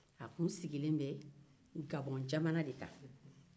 a tun sigilen be gabɔn jamana de kan